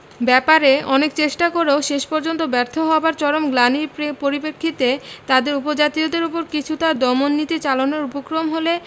ব্যাপারে অনেক চেষ্টা করেও শেষ পর্যন্ত ব্যর্থ হবার চরম গ্লানির পরিপ্রেক্ষিতে তাদের উপজাতীয়দের ওপর কিছুটা দমন নীতি চালানোর উপক্রম হলে